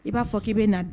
I b'a fɔ k' bɛ na